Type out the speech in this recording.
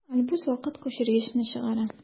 Альбус вакыт күчергечне чыгара.